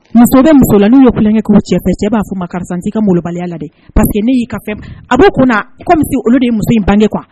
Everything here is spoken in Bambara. Muso bɛ muso la n'u ye kelenkɛ' cɛ cɛ cɛ b'a fɔ ma karisasan n' ka malobaliya la de paseke ne y'i ka fɛ a b'o kun i kɔmi se olu de muso in bange kuwa